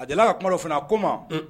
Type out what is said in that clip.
A jala ka kungo fana ko ma